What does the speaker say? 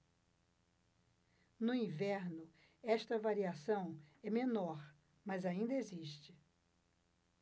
no inverno esta variação é menor mas ainda existe